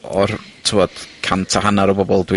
o'r t'mod cant a hannar o bobol dwi...